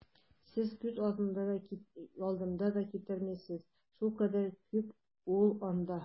Сез күз алдына да китермисез, шулкадәр күп ул анда!